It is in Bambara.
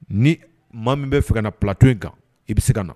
Ni maa min bɛ fɛ ka na plato in kan i bɛ se ka na